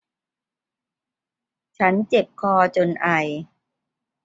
ฉันเจ็บคอจนไอ